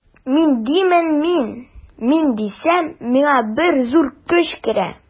Мин димен мин, мин дисәм, миңа бер зур көч керә.